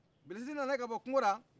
bilisi nana ka bɔ kunko la